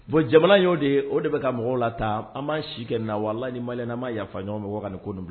Bon jamana y'o de o de bɛ ka mɔgɔw la tan an ma si kɛ nawalan ni mali na ma yafa ɲɔgɔn ma ka ani nin ko bila